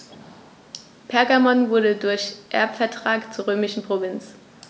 Pergamon wurde durch Erbvertrag zur römischen Provinz.